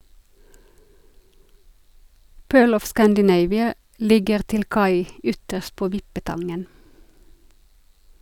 "Pearl of Scandinavia" ligger til kai ytterst på Vippetangen.